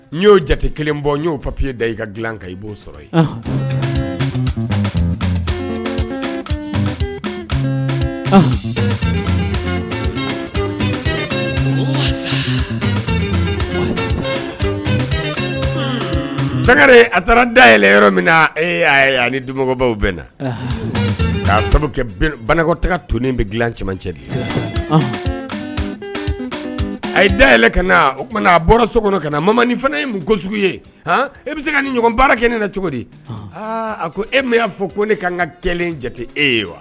N' y'o jate kelen bɔ n y'o papiye da i ka dila kan i b'o sɔrɔ yen sangare a taara da yɛlɛ yɔrɔ min donbaw bɛ na k'a banakɔtaa tonen bɛ dila cɛman cɛ di a da yɛlɛ ka na oumana a so kɔnɔ ka na mama ni fana ye ko sugu ye e bɛ se ka ni ɲɔgɔn baara kɛ ne na cogo di a ko e ma y'a fɔ ko ne ka kan ka kɛ jate e ye wa